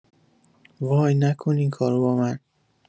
وای نکن این کارو با من